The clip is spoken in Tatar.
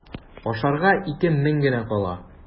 Ашарга ике мең генә кала.